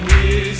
ghi